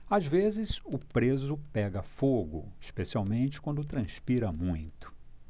às vezes o preso pega fogo especialmente quando transpira muito